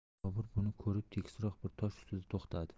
bobur buni ko'rib tekisroq bir tosh ustida to'xtadi